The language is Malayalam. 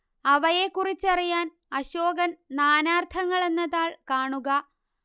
അവയെക്കുറിച്ചറിയാന് അശോകന് നാനാര്ത്ഥങ്ങള് എന്ന താള് കാണുക